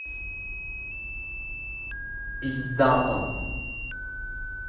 пиздато